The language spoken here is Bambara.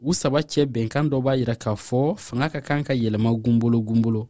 u saba cɛ bɛnkan dɔ b'a jira k'a fɔ fanga ka kan ka yɛlɛma gun bolo gun bolo